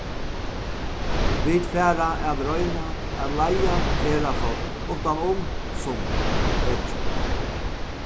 vit fara at royna at leiða ferðafólk uttanum summi øki